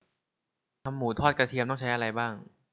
ทำหมูทอดกระเทียมต้องใช้อะไรบ้าง